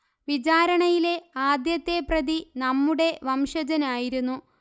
വിചാരണയിലെ ആദ്യത്തെ പ്രതി നമ്മുടെ വംശജനായിരുന്നു